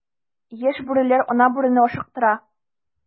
Яшь бүреләр ана бүрене ашыктыра.